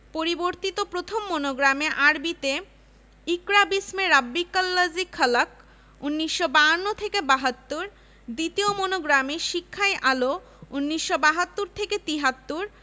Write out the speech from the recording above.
উপাচার্য কোর্টকে জানান যে শিক্ষামন্ত্রী বিশ্ববিদ্যালয়কে বাৎসরিক ব্যয় সংকুচিত করে পাঁচ লক্ষ টাকার মধ্যে সীমিত রাখতে বলেছেন ইসলামিক স্টাডিজ ইংরেজি